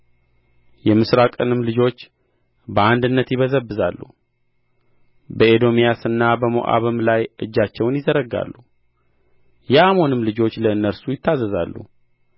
የምሥራቅንም ልጆች በአንድነት ይበዘብዛሉ በኤዶምያስና በሞዓብም ላይ እጃቸውን ይዘረጋሉ የአሞንም ልጆች ለእነርሱ ይታዘዛሉ